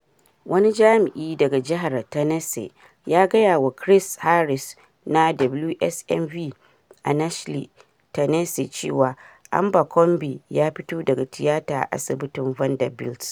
Wani jami'i daga jihar Tennessee ya gaya wa Chris Harris na WSMV a Nashville, Tennessee, cewa Abercrombie ya fito daga tiyatar a Asibitin Vanderbilt.